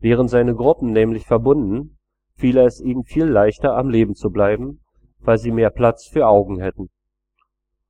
Wären seine Gruppen nämlich verbunden, fiele es ihnen viel leichter am Leben zu bleiben, weil sie mehr Platz für Augen hätten.